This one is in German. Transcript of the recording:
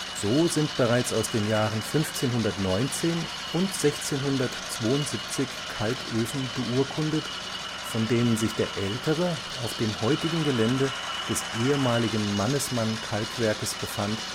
So sind bereits aus den Jahren 1519 und 1672 Kalköfen beurkundet, von denen sich der ältere auf dem heutigen Gelände des ehemaligen Mannesmann-Kalkwerkes befand